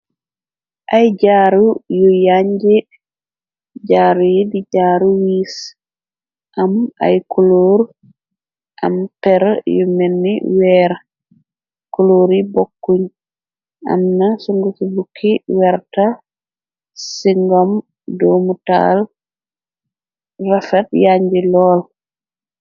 Ay jaaru yu yanj jaaru yi di jaaru wiis am ay kuloor am per yu menn weer kuloor yi bokkuñ amna sung ci bukki werta singom doomu taal rafat yànji lool.